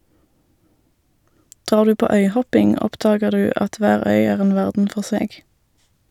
Drar du på øyhopping, oppdager du at hver øy er en verden for seg.